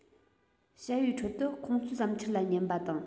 བྱ བའི ཁྲོད དུ ཁོང ཚོའི བསམ འཆར ལ ཉན པ དང